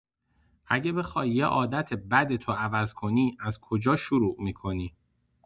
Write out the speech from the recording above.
اگه بخوای یه عادت بدتو عوض کنی، از کجا شروع می‌کنی؟